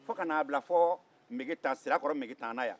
fo ka n'a bila fɔɔ megetan sirakɔrɔ megetan na yan